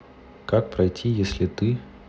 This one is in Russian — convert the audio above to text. как пройти если ты